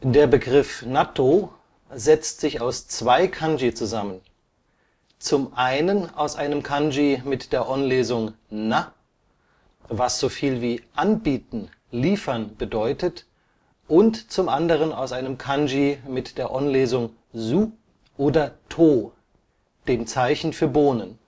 Der Begriff Nattō setzt sich aus zwei Kanji zusammen, zum einen 納 (On-Lesung: Na), was so viel wie anbieten, liefern bedeutet und zum anderen 豆 (On-Lesung: Zu oder Tō), dem Zeichen für Bohnen